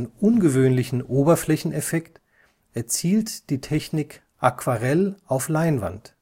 ungewöhnlichen Oberflächeneffekt erzielt die Technik Aquarell auf Leinwand